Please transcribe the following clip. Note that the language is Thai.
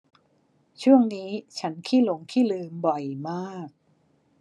ช่วงนี้ฉันขี้หลงขี้ลืมบ่อยมาก